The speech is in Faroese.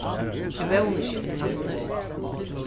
eg vóni ikki at hon er ill